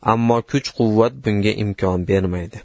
ammo kuch quvvat bunga imkon bermaydi